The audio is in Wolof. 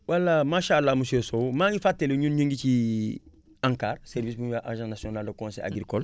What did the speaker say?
voilà macha allah monsieur Sow maa ngi fàttali ñun ñu ngi ci ANCAR service bu ñuy wax agence nationale de conseil agricol